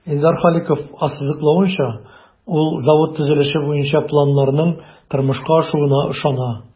Илдар Халиков ассызыклавынча, ул завод төзелеше буенча планнарның тормышка ашуына ышана.